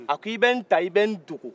a k'i bɛ n ta i bɛ n dogo